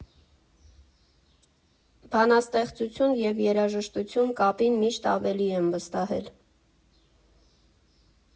֊ Բանաստեղծություն և երաժշտություն կապին միշտ ավելի եմ վստահել.